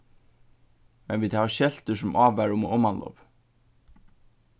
men vit hava skeltir sum ávara um omanlop